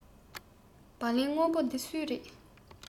སྦ ལན སྔོན པོ འདི སུའི རེད